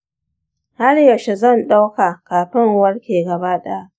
har yaushe zan ɗauka kafin in warke gaba ɗaya?